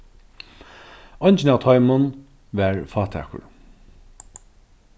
eingin av teimum var fátækur